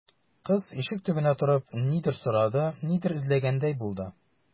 Кыз, ишек төбендә торып, нидер сорады, нидер эзләгәндәй булды.